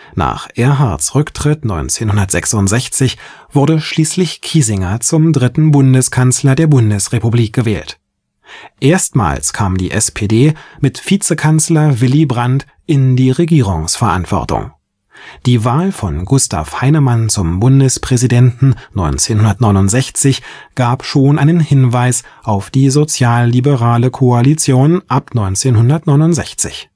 Nach Erhards Rücktritt 1966 wurde schließlich Kiesinger zum dritten Bundeskanzler der Bundesrepublik gewählt. Erstmals kam die SPD mit Vizekanzler Willy Brandt in die Regierungsverantwortung. Die Wahl von Gustav Heinemann zum Bundespräsidenten 1969 gab schon einen Hinweis auf die sozialliberale Koalition ab 1969. Die